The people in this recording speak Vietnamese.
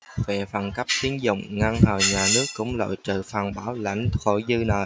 về phần cấp tín dụng ngân hàng nhà nước cũng loại trừ phần bảo lãnh khỏi dư nợ